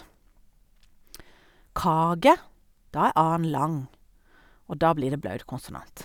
Kage, da er a-en lang, og da blir det blaut konsonant.